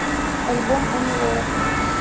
альбом ани лорак